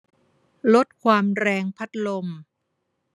ลดความแรงพัดลม